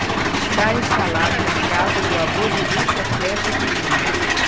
está instalado na casa do avô de lúcia flexa de lima